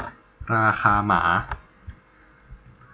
ราคาหมา